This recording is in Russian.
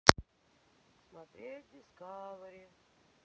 смотреть дискавери